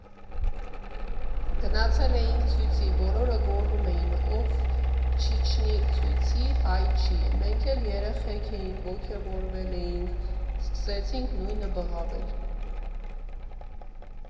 Գնացել էինք ցույցի, բոլորը գոռում էին՝ «ով չիջնի ցույցի, հայ չի», մենք էլ երեխեք էինք՝ ոգևորվել էինք, սկսեցինք նույնը բղավել։